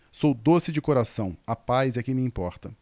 sou doce de coração a paz é que me importa